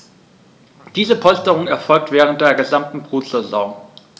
Diese Polsterung erfolgt während der gesamten Brutsaison.